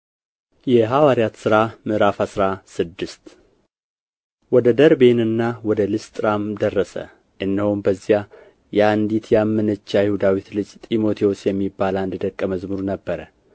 የሐዋርያት ሥራ ምዕራፍ አስራ ስድስት ወደ ደርቤንና ወደ ልስጥራንም ደረሰ እነሆም በዚያ የአንዲት ያመነች አይሁዳዊት ልጅ ጢሞቴዎስ የሚባል አንድ ደቀ መዝሙር ነበረ